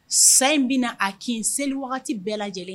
Sa in bɛna a kin seli wagati bɛɛ lajɛlen